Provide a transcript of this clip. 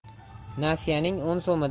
nasiyaning o'n so'midan